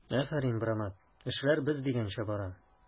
Афәрин, брамат, эшләр без дигәнчә бара!